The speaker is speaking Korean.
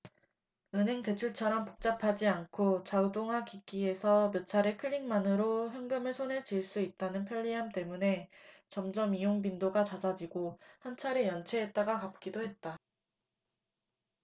은행 대출처럼 복잡하지 않고 자동화기기에서 몇 차례 클릭만으로 현금을 손에 쥘 수 있다는 편리함 때문에 점점 이용 빈도가 잦아지고 한 차례 연체했다가 갚기도 했다